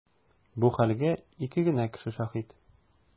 Бу хәлгә ике генә кеше шаһит.